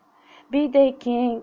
biyday keng